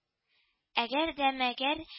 Әгәр дә мәгәр